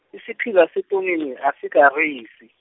isipila setonini asikarisi.